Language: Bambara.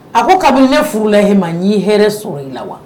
A ko kabini ne furu lahi n' hɛrɛ sɔrɔ i la wa